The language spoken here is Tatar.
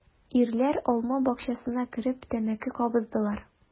Ирләр алма бакчасына кереп тәмәке кабыздылар.